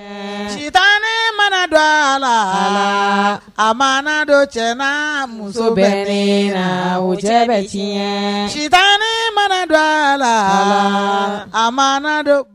Sitanɛ mana don a laa Alaa a mana don cɛ n'a muso bɛnnen na o cɛ bɛ tiɲɛ sitanɛ mana don a la Alaa a mana don